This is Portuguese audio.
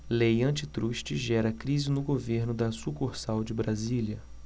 lei antitruste gera crise no governo da sucursal de brasília